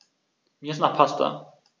Mir ist nach Pasta.